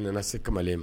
A nana se kamalen ma